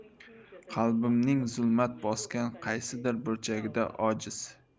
qalbimning zulmat bosgan qaysidir burchagida ojiz